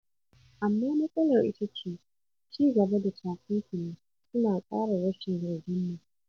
Amma matsalar ita ce ci gaba da takunkumi suna kara rashin yardarmu.”